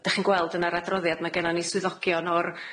Dach chi'n gweld yn yr adroddiad, ma' gennon ni swyddogion o'r